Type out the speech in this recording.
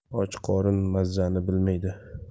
och qorin mazani bilmaydi